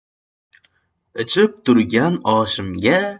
ichib turgan oshimga